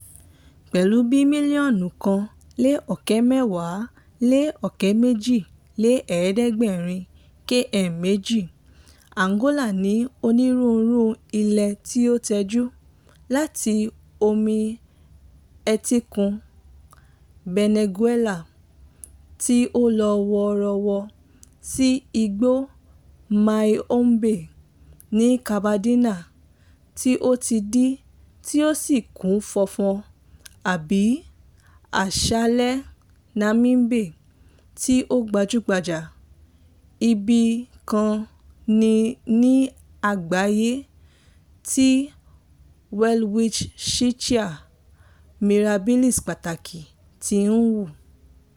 Pẹ̀lú bíi 1,246,700 km2, Angola ní onírúurú ilẹ̀ tí ó tẹ́jú, láti omi etíkun Benguela tí ó lọ́wọ́rọ́ sí igbó Maiombe ní Cabinda tí ó dí tí ó sì kún fọ́fọ́ àbí aṣálẹ̀ Namibe tí ó gbajúgbajà, ibìkan ní ni àgbáyé tí welwitschia mirabilis pàtàkì ti ń hù.